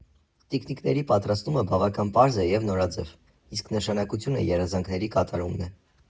Տիկնիկների պատրաստումը բավական պարզ է և նորաձև, իսկ նշանակությունը երազանքների կատարումն է։